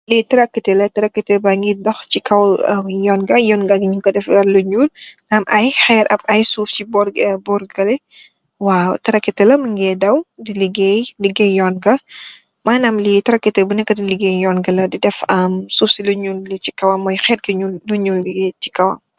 Lii taraktoo la, taraktoo baa dox si kow Yoon ga. Ñuñg ko defar lu ñuul am ay xéér, am suuf si boor galle, waaw. taraktoo la, mu ngee daw di ligeey ligeey yoon nga. Maanam lii taraktoo bu neekë di ligeey Yoon bi la, di def suuf si xéér bu ñuul bi si kowam.